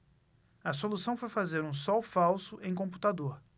a solução foi fazer um sol falso em computador